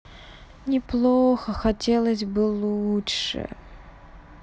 неплохо хотелось бы лучше